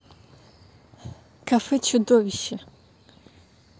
кафе чудовище